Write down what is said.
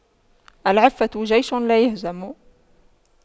العفة جيش لايهزم